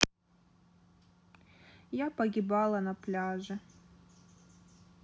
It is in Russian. я погибала на пляже